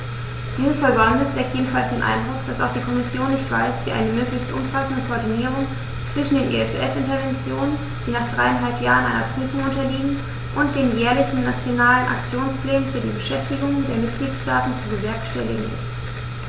Dieses Versäumnis weckt jedenfalls den Eindruck, dass auch die Kommission nicht weiß, wie eine möglichst umfassende Koordinierung zwischen den ESF-Interventionen, die nach dreieinhalb Jahren einer Prüfung unterliegen, und den jährlichen Nationalen Aktionsplänen für die Beschäftigung der Mitgliedstaaten zu bewerkstelligen ist.